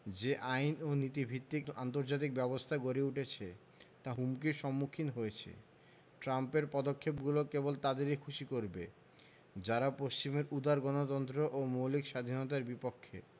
যে আইন ও নীতিভিত্তিক আন্তর্জাতিক ব্যবস্থা গড়ে উঠেছে তা হুমকির সম্মুখীন হয়েছে ট্রাম্পের পদক্ষেপগুলো কেবল তাদেরই খুশি করবে যারা পশ্চিমের উদার গণতন্ত্র ও মৌলিক স্বাধীনতার বিপক্ষে